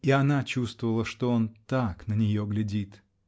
И она чувствовала, что он так на нее глядит.